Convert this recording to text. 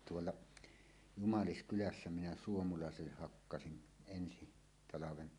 tuolla Jumaliskylässä minä suomalaisille hakkasin ensi talven